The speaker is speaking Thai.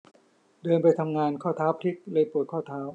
เดินไปทำงานข้อเท้าพลิกเลยปวดข้อเท้า